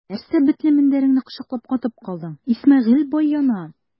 Нәрсә бетле мендәреңне кочаклап катып калдың, Исмәгыйль бай яна!